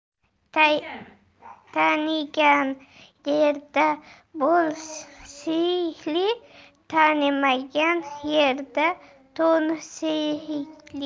tanigan yerda bo'y siyli tanimagan yerda to'n siyli